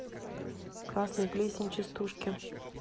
красная плесень частушки